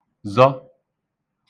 zọ